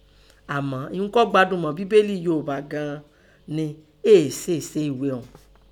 Àmọ́ ihun kọ́ gbádùn mọ́ Bebélì Yoòbá gan an nẹ, é sèé se ẹghé ọ̀ún